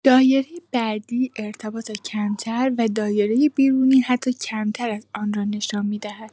دایره بعدی ارتباط کمتر، و دایره بیرونی حتی کمتر از آن را نشان می‌دهد.